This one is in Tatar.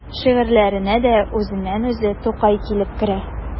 Шигырьләренә дә үзеннән-үзе Тукай килеп керә.